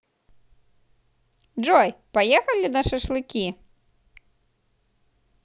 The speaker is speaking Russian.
джой поехали на шашлыки